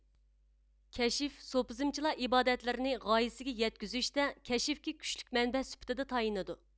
كەشىف سۇپىزمچىلار ئىبادەتلىرىنى غايىسىگە يەتكۈزۈشتە كەشفكە كۈچلۈك مەنبە سۈپىتىدە تايىنىدۇ